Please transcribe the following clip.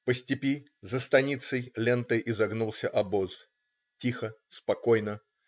По степи, за станицей, лентой изогнулся обоз. Тихо. Спокойно.